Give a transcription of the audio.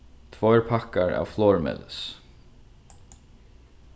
tveir pakkar av flormelis